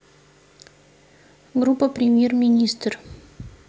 группа премьер министр